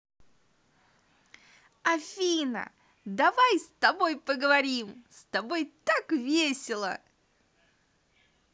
афина давай с тобой поговорим с тобой так весело